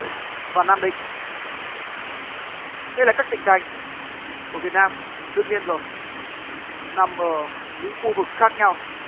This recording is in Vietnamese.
và nam định đây là các tỉnh thành của việt nam đương nhiên rồi nằm ở những khu vực khác nhau